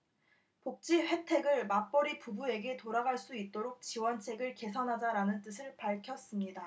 복지혜택을 맞벌이 부부에게 돌아갈 수 있도록 지원책을 개선하자 라는 뜻을 밝혔습니다